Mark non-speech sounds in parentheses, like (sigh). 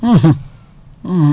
(hesitation) (hesitation)